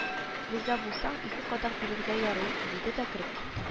Риза булсаң, ике кадак бирергә ярый, – диде дә кереп китте